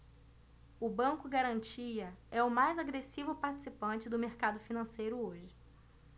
o banco garantia é o mais agressivo participante do mercado financeiro hoje